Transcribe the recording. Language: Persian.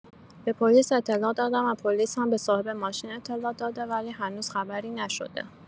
به پلیس اطلاع دادم و پلیس هم به صاحب ماشین اطلاع داده ولی هنوز خبری نشده.